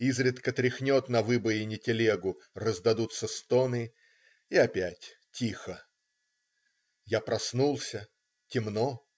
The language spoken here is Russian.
Изредка тряхнет на выбоине телегу, раздадутся стоны. и опять тихо. Я проснулся. Темно.